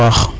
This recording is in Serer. a paax